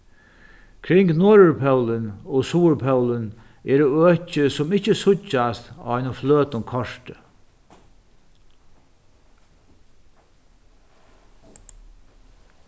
kring norðurpólin og suðurpólin eru øki sum ikki síggjast á einum fløtum korti